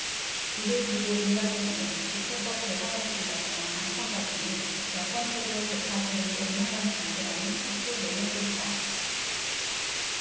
이를 두고 일각에서는 국회법 개정안을 둘러싼 당청 갈등이 여권 내부의 계파 분열로 옮아가는 단계라는 해석도 내놓고 있다